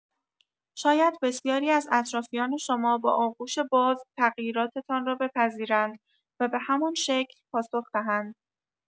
شاید بسیاری از اطرافیان شما با آغوش باز تغییراتتان را بپذیرند و به همان شکل پاسخ دهند.